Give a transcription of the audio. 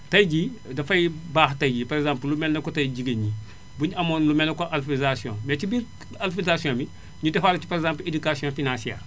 tay jii dafay baax tay jii par exemple lu mel ne côté jigéen ñi bu ñu amoon lu mel ne comme alphabétisation mais ci biir alphabétisation bi ñu defaale ci par exemple éducation financière